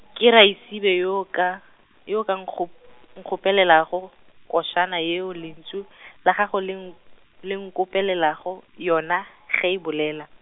ke Raesibe yo ka, yo ka nkgo-, nkopelelago košana yeo lentšu la gago le n-, le nkopelelago yona, ge e bolela.